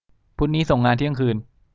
พุธนี้ส่งงานเที่ยงคืน